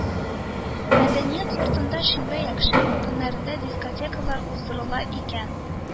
Мәдәният йортында шимбә, якшәмбе көннәрендә дискотекалар уздырыла икән